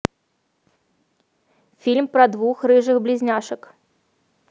фильм про двух рыжих близняшек